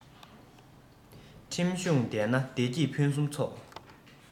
ཁྲིམས གཞུང ལྡན ན བདེ སྐྱིད ཕུན སུམ ཚོགས